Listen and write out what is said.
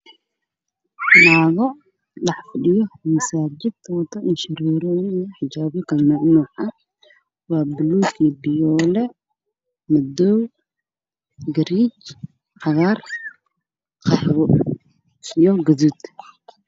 Waa naago meel fadhiyo qaar waxa ay xiran yihiin indha sharer madow ah